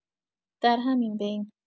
در همین بین